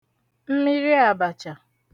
mmiri àbàchà